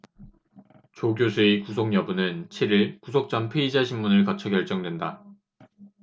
조 교수의 구속 여부는 칠 일 구속 전 피의자심문을 거쳐 결정된다